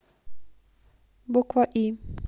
буква и